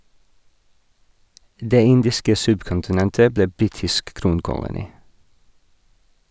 Det indiske subkontinentet ble britisk kronkoloni.